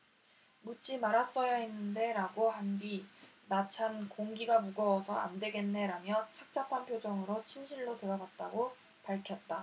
묻지 말았어야 했는데 라고 한 뒤 나 참 공기가 무거워서 안 되겠네라며 착잡한 표정으로 침실로 들어갔다고 밝혔다